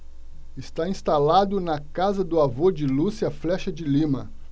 está instalado na casa do avô de lúcia flexa de lima